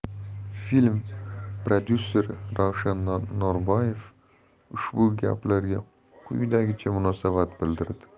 film prodyuseri ravshan norbayev ushbu gaplarga quyidagicha munosabat bildirdi